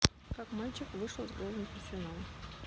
как мальчик вышел с голым писюном